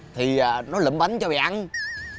thì à nó lụm bánh cho mày ăn